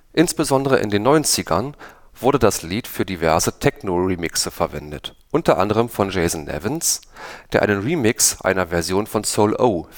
Insbesondere in den 90ern wurde das Lied für diverse Techno-Remixe verwendet, unter anderem von Jason Nevins, der einen Remix einer Version von Soul-O